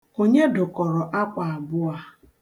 Onye dụkọrọ akwa abụọ a?